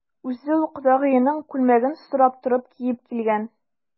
Үзе ул кодагыеның күлмәген сорап торып киеп килгән.